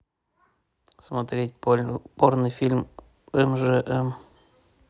смотреть порно фильм мжм